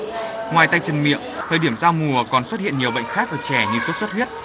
ngoài tay chân miệng thời điểm giao mùa còn xuất hiện nhiều bệnh khác ở trẻ như sốt xuất huyết